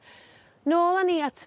Nôl â ni at...